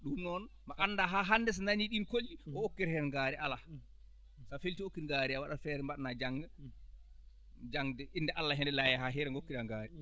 ɗum noon mo annda haa hannde so nanii ɗiin kolli o okkira heen gaari alaa so a fellitii okkude gaari a waɗat feere mbaɗana jannga jannde innde Allah hende layee haa hiira ngokkiraa ngaari